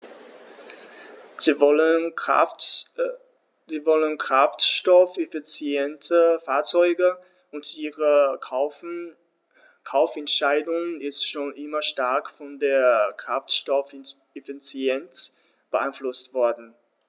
Sie wollen kraftstoffeffiziente Fahrzeuge, und ihre Kaufentscheidung ist schon immer stark von der Kraftstoffeffizienz beeinflusst worden.